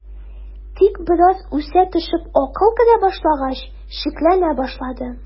Тик бераз үсә төшеп акыл керә башлагач, шикләнә башлады.